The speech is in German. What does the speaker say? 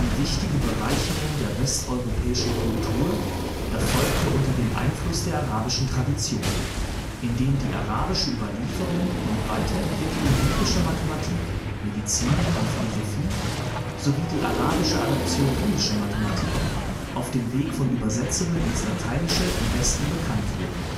wichtige Bereicherung der westeuropäischen Kultur erfolgte unter dem Einfluss der arabischen Tradition, indem die arabische Überlieferung und Weiterentwicklung griechischer Mathematik, Medizin und Philosophie sowie die arabische Adaption indischer Mathematik und Ziffernschreibung auf dem Weg von Übersetzungen ins Lateinische im Westen bekannt wurden